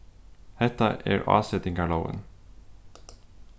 hetta er ásetingarlógin